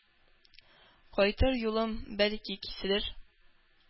Кайтыр юлым, бәлки, киселер.